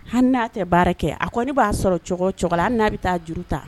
Hali n'a tɛ baara kɛ a ko ne b'a sɔrɔ la an n'a bɛ taa juru ta